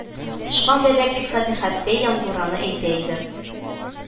Тычкан бәбәк дип Фатихәттәй Янгураны әйтә иде